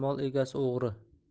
mol egasi o'g'ri